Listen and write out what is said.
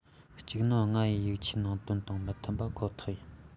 ༡ ༥ ཡིག ཆའི ནང དོན དང མི མཐུན པ ཁོ ཐག ཡིན